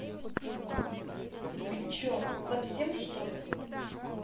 ты че совсем чтоли